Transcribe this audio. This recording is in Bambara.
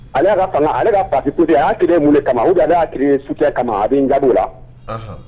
Ale y'a fanga ale ka pakite y'a mun kama y'a su kama a bɛ n ga la